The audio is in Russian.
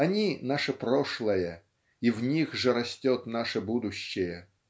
они - наше прошлое, и в них же растет наше будущее.